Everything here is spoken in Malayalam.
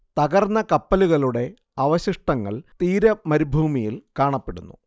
തകർന്ന കപ്പലുകളുടെ അവശിഷ്ടങ്ങൾ തീര മരുഭൂമിയിൽ കാണപ്പെടുന്നു